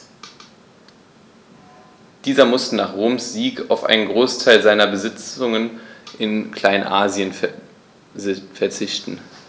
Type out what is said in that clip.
Dieser musste nach Roms Sieg auf einen Großteil seiner Besitzungen in Kleinasien verzichten.